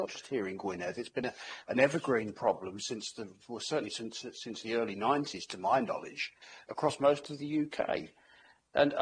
not just here in Gwynedd it's been a an evergreen problem since the well certainly since the since the early nineties to my knowledge, across most of the UK and,